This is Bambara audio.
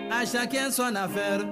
A si kɛ sɔn na fɛ